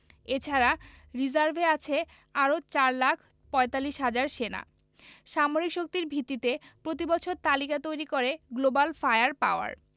এ ছাড়া রিজার্ভে আছে আরও ৪ লাখ ৪৫ হাজার সেনা সামরিক শক্তির ভিত্তিতে প্রতিবছর তালিকা তৈরি করে গ্লোবাল ফায়ার পাওয়ার